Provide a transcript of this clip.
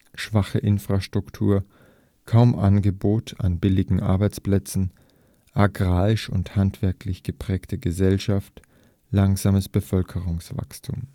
schwache Infrastruktur kaum Angebot an billigen Arbeitsplätzen agrarisch und handwerklich geprägte Gesellschaft langsames Bevölkerungswachstum